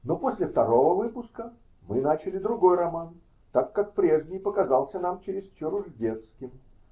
Но после второго выпуска мы начали другой роман, так как прежний показался нам чересчур уж детским.